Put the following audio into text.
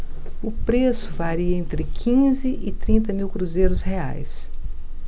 o preço varia entre quinze e trinta mil cruzeiros reais